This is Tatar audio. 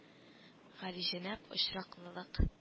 Галиҗәнәп очраклылык